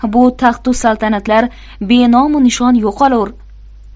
bu taxtu saltanatlar benomu nishon yo'qolur